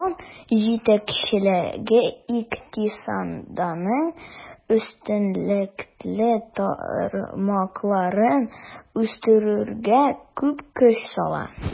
Район җитәкчелеге икътисадның өстенлекле тармакларын үстерүгә күп көч сала.